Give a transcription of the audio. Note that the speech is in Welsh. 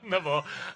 'Na fo.